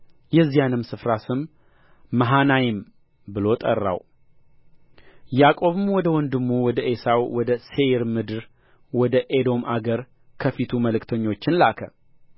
የዚያንም ስፍራ ስም መሃናይም ብሎ ጠራው ያዕቆብም ወደ ወንድሙ ወደ ዔሳው ወደ ሴይር ምድር ወደ ኤዶም አገር ከፊቱ መልእክተኞችን ላከ